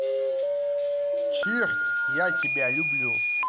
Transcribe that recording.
черт я тебя люблю